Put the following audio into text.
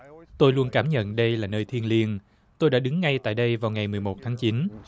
tôi luôn cảm nhận đây là nơi thiêng liêng tôi đã đứng ngay tại đây vào ngày mười một tháng chín